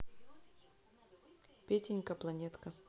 петенька планетка